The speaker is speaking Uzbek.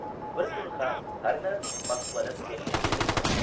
bir kun ham hama moskvada turganga ne yetsin